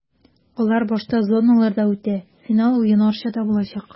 Алар башта зоналарда үтә, финал уен Арчада булачак.